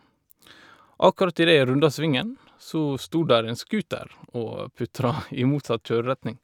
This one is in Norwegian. Akkurat idet jeg runda svingen, så stod der en scooter og putra i motsatt kjøreretning.